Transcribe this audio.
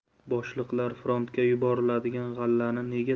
boshliqlar frontga yuboriladigan